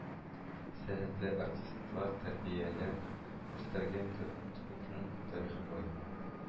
Сәләтле артистлар тәрбияләп үстергән төбәкнең тарихы бай